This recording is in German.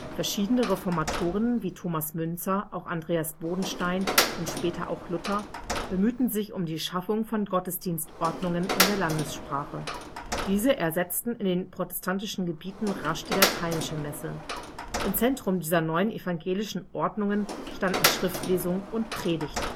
Verschiedene Reformatoren (Thomas Müntzer, auch Andreas Bodenstein und später auch Luther) bemühten sich um die Schaffung von Gottesdienstordnungen in der Landessprache. Diese ersetzten in den protestantischen Gebieten rasch die lateinische Messe. Im Zentrum dieser neuen evangelischen Ordnungen standen Schriftlesung und Predigt